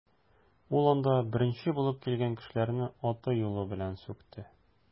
Ул анда беренче булып килгән кешеләрне аты-юлы белән сүкте.